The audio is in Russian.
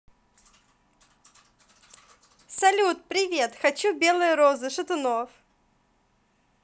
салют привет хочу белые розы шатунов